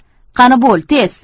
qani bo'l tez